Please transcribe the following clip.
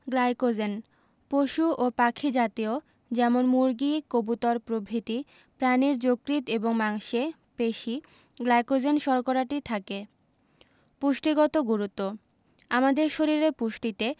glycogen পশু ও পাখি জাতীয় যেমন মুরগি কবুতর প্রভৃতি প্রাণীর যকৃৎ এবং মাংসে পেশি গ্লাইকোজেন শর্করাটি থাকে পুষ্টিগত গুরুত্ব আমাদের শরীরের পুষ্টিতে